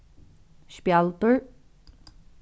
spjaldur